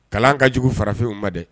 Kalan ka jugu farafefinw ma dɛ